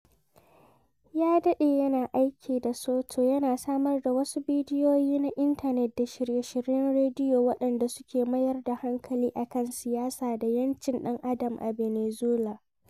Ya daɗe yana aiki da Soto yana samar da wasu bidiyoyi na intanet da shirye-shiryen rediyo waɗanda suke mayar da hankali a kan siyasa da 'yancin ɗan'adam a ɓenezuela.